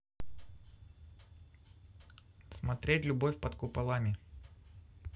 смотреть любовь под куполами